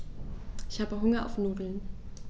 Ich habe Hunger auf Nudeln.